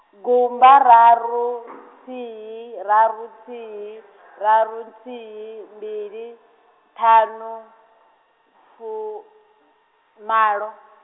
gumba raru , thihi, raru thihi, raru thihi, mbili, ṱhanu, fumalo.